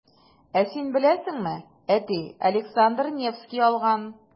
Ә син беләсеңме, әти Александр Невский алган.